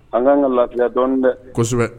An ka'an ka lafiya dɔɔnin dɛ kosɛbɛ